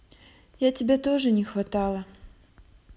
я тебя тоже не хватало